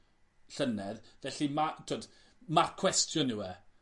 llynedd felly ma' t'od marc cwestiwn yw e.